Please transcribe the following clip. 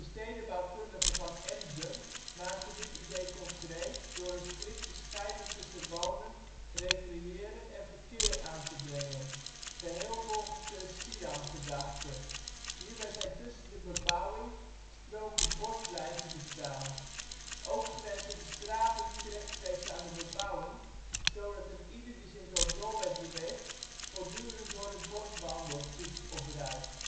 stedenbouwkundige Van Embden maakte dit idee concreet door een strikte scheiding tussen wonen, recreëren en verkeer aan te brengen, geheel volgens de CIAM-gedachte. Hierbij zijn tussen de bebouwing stroken bos blijven bestaan. Ook grenzen de straten niet rechtstreeks aan de bebouwing, zodat eenieder die zich door Doorwerth beweegt voortdurend door het bos wandelt, fietst of rijdt